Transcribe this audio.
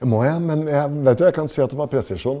må jeg men jeg veit du jeg kan si at det var presisjon.